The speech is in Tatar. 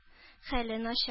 Хәле начар